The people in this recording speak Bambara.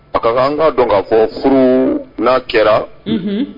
A ka an kaa dɔn ka fɔ furu n'a kɛra